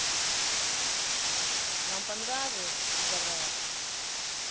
вам понравилось пидарас